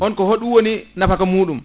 on ko hoɗum woni nafaka muɗum